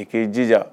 I k'i jija